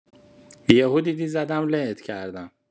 یهو دیدی زدم لهت کردم!